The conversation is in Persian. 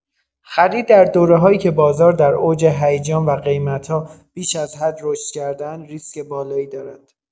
خرید در دوره‌هایی که بازار در اوج هیجان و قیمت‌ها بیش از حد رشد کرده‌اند ریسک بالایی دارد.